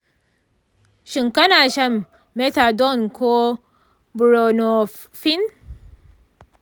shin kana shan methadone ko buprenorphine?